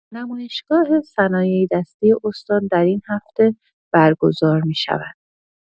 نمایشگاه صنایع‌دستی استان در این هفته برگزار می‌شود.